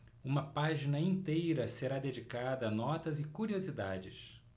uma página inteira será dedicada a notas e curiosidades